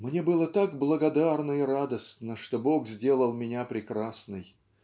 "Мне было так благодарно и радостно, что Бог сделал меня прекрасной.